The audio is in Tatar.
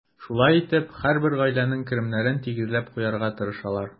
Шулай итеп, һәрбер гаиләнең керемнәрен тигезләп куярга тырышалар.